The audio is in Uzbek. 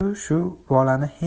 shu shu bolani